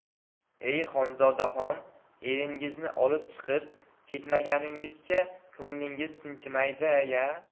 ey xonzodaxon eringizni olib chiqib ketmaguningizcha ko'nglingiz tinchimadi ya